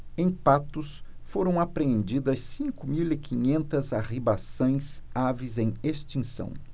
em patos foram apreendidas cinco mil e quinhentas arribaçãs aves em extinção